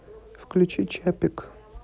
включи чапик